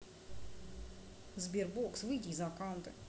sberbox выйди из аккаунта